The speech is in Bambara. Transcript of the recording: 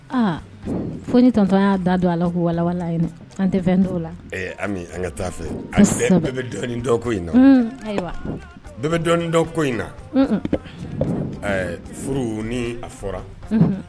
Aa fo ni tɔ y'a da don ala kou wawa an tɛ fɛn dɔw la ami an ka taa fɛ ayi bɛɛ bɛ dɔni dɔ ko in na ayiwa bɛɛ bɛ dɔn dɔ ko in na furu ni a fɔra